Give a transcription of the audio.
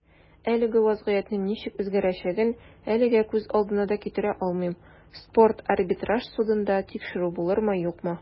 Әлеге вәзгыятьнең ничек үзгәрәчәген әлегә күз алдына да китерә алмыйм - спорт арбитраж судында тикшерү булырмы, юкмы.